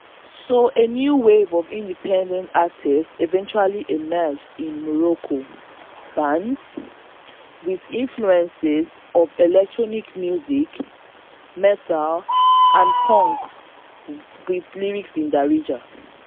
So a new wave of independent artists eventually emerged in Morocco, bands with influences from electronic music, metal, and punk with lyrics in Darija.